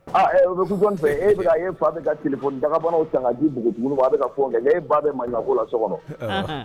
O bɛ kusɔn fɛ e e fa bɛ ka fɔ dagabanaw tan ka jibuguugun a bɛ ka fɔ kɛ ee ba bɛ mafɔ la so kɔnɔ